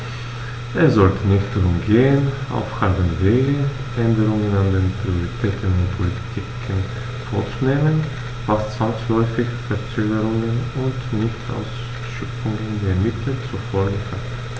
Es sollte nicht darum gehen, auf halbem Wege Änderungen an den Prioritäten und Politiken vorzunehmen, was zwangsläufig Verzögerungen und Nichtausschöpfung der Mittel zur Folge hat.